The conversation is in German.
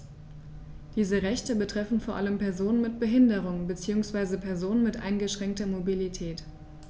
Diese Rechte betreffen vor allem Personen mit Behinderung beziehungsweise Personen mit eingeschränkter Mobilität.